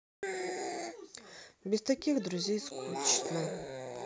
без таких друзей скучно